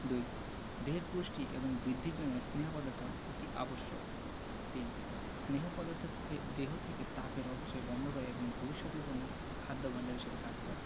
২. দেহের পুষ্টি এবং বৃদ্ধির জন্য স্নেহ পদার্থ অতি আবশ্যক ৩. স্নেহ পদার্থ দেহ থেকে তাপের অপচয় বন্ধ করে এবং ভবিষ্যতের জন্য খাদ্য ভাণ্ডার হিসেবে কাজ করে